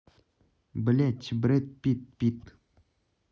блядь брэд питт пит